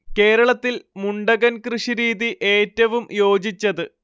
കേരളത്തിൽ മുണ്ടകൻ കൃഷി രീതി ഏറ്റവും യോജിച്ചത്